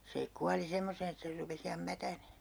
se kuoli semmoiseen että sen rupesi ihan mätänemään